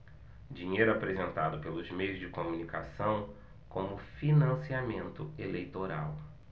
dinheiro apresentado pelos meios de comunicação como financiamento eleitoral